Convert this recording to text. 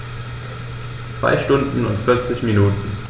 2 Stunden und 40 Minuten